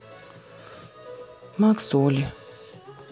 макс оле